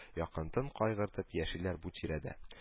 Якынтын кайгыртып яшиләр бу тирәдә